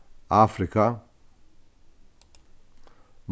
afrika